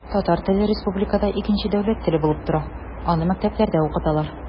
Татар теле республикада икенче дәүләт теле булып тора, аны мәктәпләрдә укыталар.